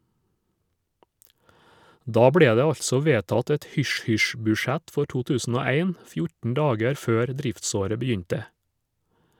Da ble det altså vedtatt et hysj-hysj-budsjett for 2001, 14 dager før driftsåret begynte.